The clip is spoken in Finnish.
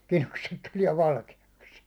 kidukset tulee valkeaksi